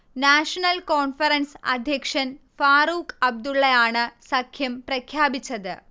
national Conference അധ്യക്ഷൻ ഫാറൂഖ് അബ്ദുള്ളയാണ് സഖ്യം പ്രഖ്യാപിച്ചത്